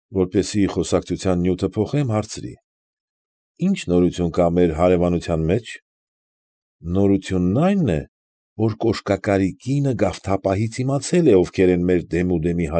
Որպեսզի խոսակցության նյութը փոխեմ, հարցրի. ֊ Ի՞նչ նորություն կա մեր հարևանության մեջ։ ֊ Նորությունն այն է, որ կոշկակարի կինը գավթապահից իմացել է ովքեր են մեր դեմուդեմի։